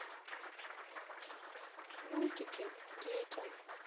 мультики детям